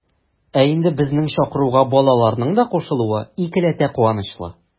Ә инде безнең чакыруга балаларның да кушылуы икеләтә куанычлы.